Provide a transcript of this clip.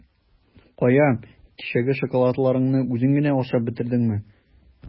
Кая, кичәге шоколадларыңны үзең генә ашап бетердеңме?